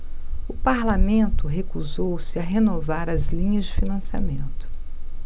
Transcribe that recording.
o parlamento recusou-se a renovar as linhas de financiamento